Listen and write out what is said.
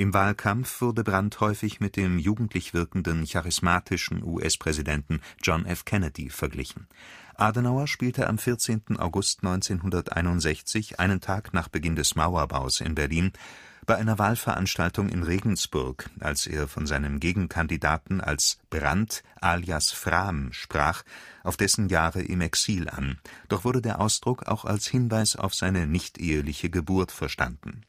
Wahlkampf wurde Brandt häufig mit dem jugendlich wirkenden charismatischen US-Präsidenten John F. Kennedy verglichen. Adenauer spielte am 14. August 1961, einen Tag nach Beginn des Mauerbaus in Berlin, bei einer Wahlveranstaltung in Regensburg, als er von seinem Gegenkandidaten als Brandt alias Frahm sprach, auf dessen Jahre im Exil an, doch wurde der Ausdruck auch als Hinweis auf seine nichteheliche Geburt verstanden